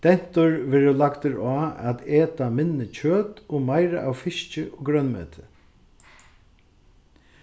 dentur verður lagdur á at eta minni kjøt og meira av fiski og grønmeti